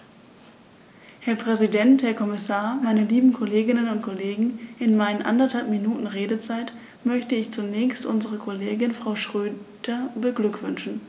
Herr Präsident, Herr Kommissar, meine lieben Kolleginnen und Kollegen, in meinen anderthalb Minuten Redezeit möchte ich zunächst unsere Kollegin Frau Schroedter beglückwünschen.